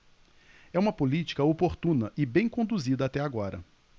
é uma política oportuna e bem conduzida até agora